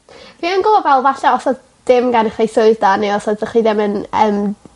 Fi 'im yn gw'o' fel falle os odd dim gennych chi swydd da neu os oeddech chi ddim yn yym